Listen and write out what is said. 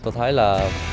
tôi thấy là